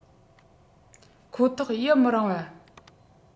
ཁོ ཐག ཡི མི རང བ